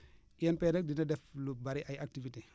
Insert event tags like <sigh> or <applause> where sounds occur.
<breath> INP nag dina def lu bëri ay activités